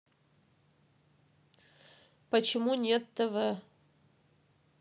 почему нет tv